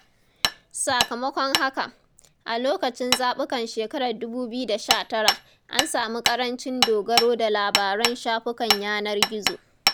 Sakamakon haka, a lokacin zaɓukan shekarar 2019 an samu ƙarancin dogaro da labaran shafukan yanar gizo.